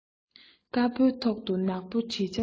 དཀར པོའི ཐོག ཏུ ནག པོའི བྲིས ཆ གསལ